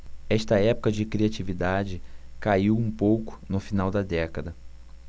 esta época de criatividade caiu um pouco no final da década